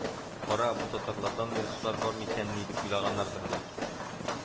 «кара, бу татарларда да язучылар бар микәнни?» дип уйлаганнардыр бәлки